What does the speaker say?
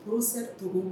Professeur Togo